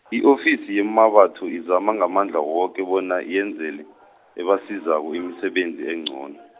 i-ofisi yeMmabatho izama ngamadla woke bona yenzele, ebasizako imisebenzi engcono.